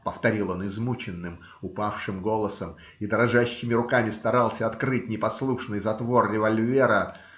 повторил он измученным, упавшим голосом и дрожащими руками старался открыть непослушный затвор револьвера.